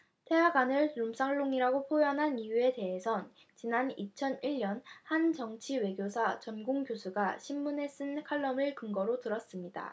태화관을 룸살롱이라고 표현한 이유에 대해선 지난 이천 일 년 한 정치외교사 전공 교수가 신문에 쓴 칼럼을 근거로 들었습니다